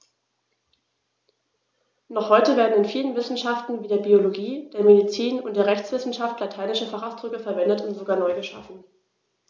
Noch heute werden in vielen Wissenschaften wie der Biologie, der Medizin und der Rechtswissenschaft lateinische Fachausdrücke verwendet und sogar neu geschaffen.